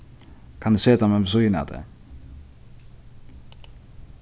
kann eg seta meg við síðuna av tær